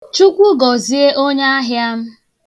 Chukwu gozie onyaahịa m.